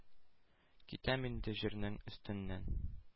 Китәм инде җирнең өстеннән.